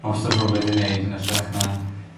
Wastad rhwbeth i neud yn ytrach na